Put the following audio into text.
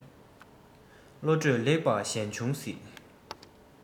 བློ གྲོས ལེགས པ གཞན འབྱུང སྲིད